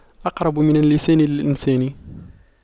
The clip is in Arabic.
أقرب من اللسان للأسنان